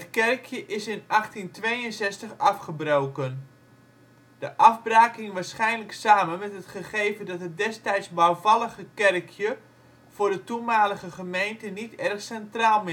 kerkje is in 1862 afgebroken. De afbraak hing waarschijnlijk samen met het gegeven dat het destijds bouwvallige kerkje voor de toenmalige gemeente niet erg centraal